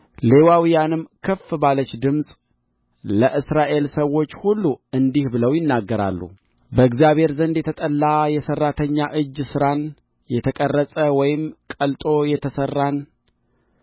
ሌዋውያንም ከፍ ባለች ድምፅ ለእስራኤል ሰዎች ሁሉ እንዲህ ብለው ይናገራሉ በእግዚአብሔር ዘንድ የተጠላ የሠራተኛ እጅ ሥራን የተቀረጸ ወይም ቀልጦ የተሠራ